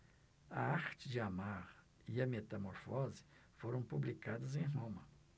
a arte de amar e a metamorfose foram publicadas em roma